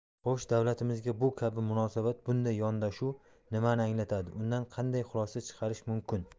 xo'sh davlatimizga bu kabi munosabat bunday yondashuv nimani anglatadi undan qanday xulosa chiqarish mumkin